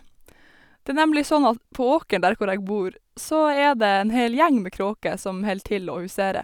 Det er nemlig sånn at på åkeren der hvor jeg bor, så er det en hel gjeng med kråker som held til og huserer.